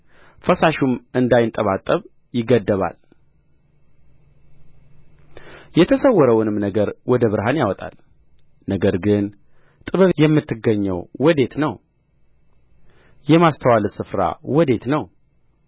ፈሳሹም እንዳይንጠባጠብ ይገድባል የተሰወረውንም ነገር ወደ ብርሃን ያወጣል ነገር ግን ጥበብ የምትገኘው ወዴት ነው የማስተዋልስ ስፍራ ወዴት ነው